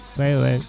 oui oui